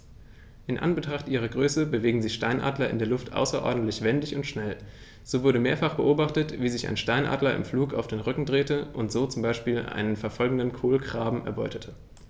In Anbetracht ihrer Größe bewegen sich Steinadler in der Luft außerordentlich wendig und schnell, so wurde mehrfach beobachtet, wie sich ein Steinadler im Flug auf den Rücken drehte und so zum Beispiel einen verfolgenden Kolkraben erbeutete.